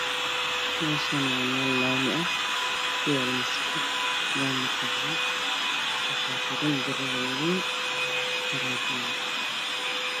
Mashan waa mel lami ah kuyalo masajid waxaa suran birar